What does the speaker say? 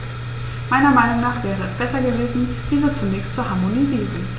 Meiner Meinung nach wäre es besser gewesen, diese zunächst zu harmonisieren.